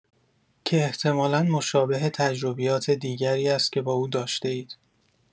که احتمالا مشابه تجربیات دیگری است که با او داشته‌اید.